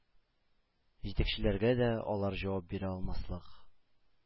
Җитәкчеләргә дә алар җавап бирә алмаслык